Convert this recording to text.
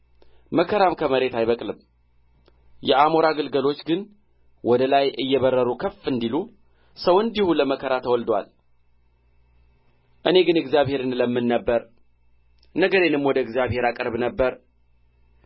መከራም ከመሬት አይበቅልም የአሞራ ግልገሎች ግን ወደ ላይ እየበረሩ ከፍ እንዲሉ ሰው እንዲሁ ለመከራ ተወልዶአል እኔ ግን እግዚአብሔርን እለምን ነበር ነገሬንም ወደ እግዚአብሔር አቀርብ ነበር